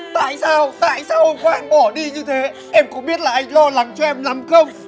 tại sao tại sao hôm qua em lại bỏ đi như thế em có biết là anh lo lắng cho em lắm không